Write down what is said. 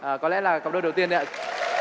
à có lẽ là cặp đôi đầu tiên đây